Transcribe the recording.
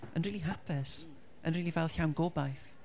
yn rili hapus. Yn rili fel llawn gobaith.